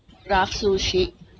กราฟซูชิ